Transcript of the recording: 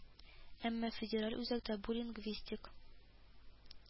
Әмма федераль үзәктә бу лингвистик